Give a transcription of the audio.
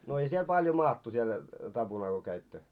no ei siellä paljon maattu siellä tapunalla kun kävitte